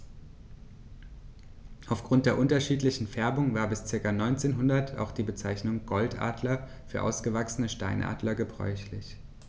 Auf Grund der unterschiedlichen Färbung war bis ca. 1900 auch die Bezeichnung Goldadler für ausgewachsene Steinadler gebräuchlich.